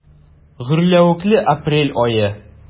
Гөрләвекле апрель ае.